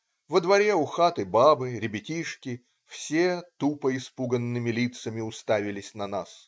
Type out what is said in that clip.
Во дворе, у хаты - бабы, ребятишки, все тупо-испуганными лицами уставились на нас.